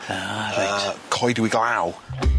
A reit. Yy coedwig law.